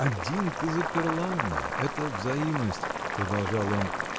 — Один ты заперла мне: это взаимность, — продолжал он.